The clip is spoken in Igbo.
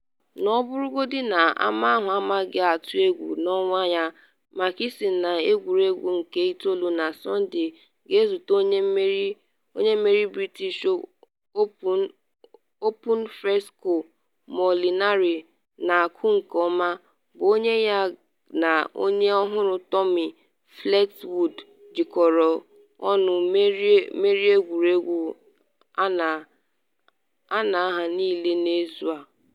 Na ọ bụrụgodi na ama ahụ anaghị atụ egwu n’onwe ya, Mickelson, na egwuregwu nke itoolu na Sọnde ga-ezute onye mmeri British Open Francesco Molinari na-akụ nke ọma, bụ onye ya na onye ọhụrụ Tommy Fleetwood jikọrọ ọnụ merie egwuregwu anọ ha niile n’izu a.